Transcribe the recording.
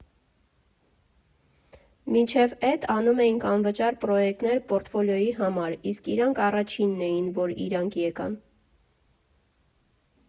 Մինչև էդ անում էինք անվճար պրոյեկտներ պորտֆոլիոյի համար, իսկ իրանք առաջինն էին, որ իրանք եկան։